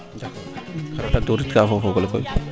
xar tak toorit kaa fo o fogole koy